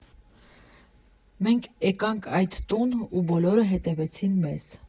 Մենք եկանք այդ տուն ու բոլորը հետևեցին մեզ։